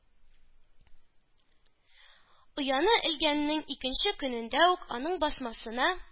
Ояны элгәннең икенче көнендә үк аның басмасына